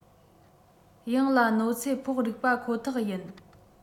ཡང ལ གནོད འཚེ ཕོག རིགས པ ཁོ ཐག ཡིན